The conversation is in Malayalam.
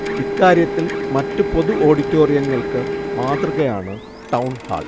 ഇക്കാര്യത്തിൽ മറ്റു പൊതു ഓഡിറ്റോറിയങ്ങൾക്ക് മാതൃകയാണ് ടൗൺഹാൾ